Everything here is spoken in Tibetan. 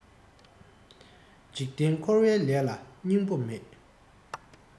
འཇིག རྟེན འཁོར བའི ལས ལ སྙིང པོ མེད